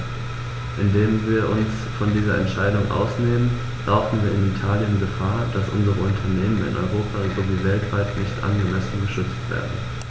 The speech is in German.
Indem wir uns von dieser Entscheidung ausnehmen, laufen wir in Italien Gefahr, dass unsere Unternehmen in Europa sowie weltweit nicht angemessen geschützt werden.